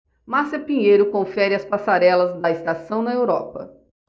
márcia pinheiro confere as passarelas da estação na europa